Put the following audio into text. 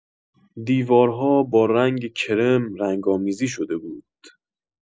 دیوارها با رنگ کرم رنگ‌آمیزی شده بود.